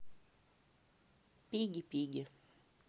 пиги пиги